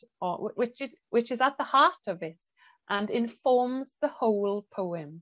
or whi- which is which is at the heart of it and informs the whole poem.